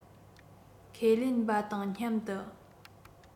ཁོས ལེན པ དང མཉམ དུ